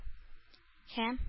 Һәм